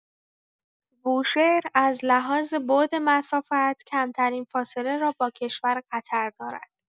بوشهر از لحاظ بعد مسافت کمترین فاصله را با کشور قطر دارد.